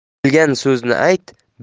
bilgan so'zni ayt